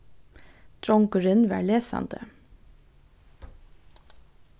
drongurin var lesandi